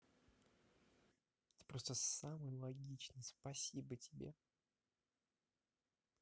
это просто самый логичный спасибо тебе